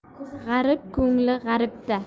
g'arib ko'ngli g'aribda